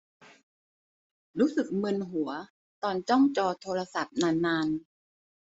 รู้สึกมึนหัวตอนจ้องจอโทรศัพท์นานนาน